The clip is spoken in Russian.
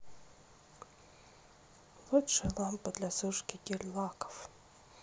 лучшие лампы для сушки гель лаков